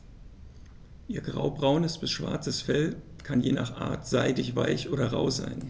Ihr graubraunes bis schwarzes Fell kann je nach Art seidig-weich oder rau sein.